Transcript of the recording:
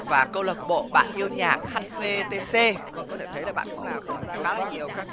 và câu lạc bộ bạn yêu nhạc hắt vê tê xê vâng có thể thấy là bạn cũng làm tham gia khá là nhiều các